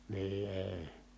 niin ei